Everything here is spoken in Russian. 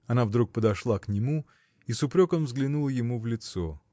Она вдруг подошла к нему и с упреком взглянула ему в лицо.